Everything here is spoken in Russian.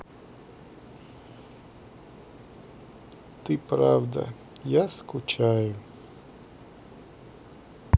ты правда я скучаю